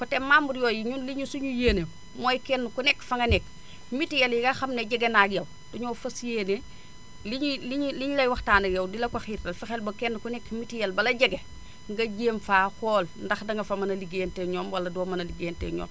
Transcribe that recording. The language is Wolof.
te membres yooyu ñun li ñu suñu yéene mooy kenn ku nekk fa nga nekk mutuelle yi nga xam ne jegena ak yow dañoo fas yéene li ñuy li ñuy li ñu lay waxtaan ak yow di la ko xirtal fexeel ba kenn ku ne ci mutuel ba la jege nga jéem faa xool ndax danga fa mën a ligéeyanteel ak ñoom wala doo mën a liggéeyanteel ak ñoom